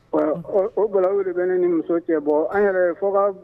O bala de bɛ ne ni muso cɛ bɔ an yɛrɛ fo